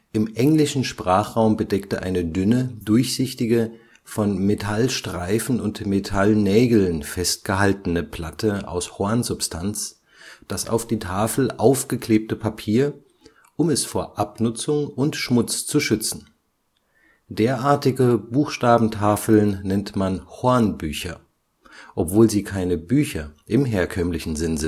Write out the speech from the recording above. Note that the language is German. Im englischen Sprachraum bedeckte eine dünne, durchsichtige, von Metallstreifen und - nägeln festgehaltene Platte aus Hornsubstanz das auf die Tafel aufgeklebte Papier, um es vor Abnutzung und Schmutz zu schützen. Derartige Buchstabentafeln nennt man Hornbücher, obwohl sie keine Bücher im herkömmlichen Sinn sind